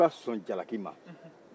aw ka sɔn jalaki ma